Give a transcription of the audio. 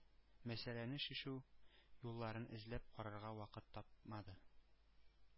Мәсьәләне чишү юлларын эзләп карарга вакыт тапмады.